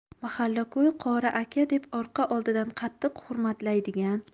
mahalla ko'y qori aka deb orqa oldidan qattiq hurmatlaydigan